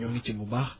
ñoo ngi ci bu baax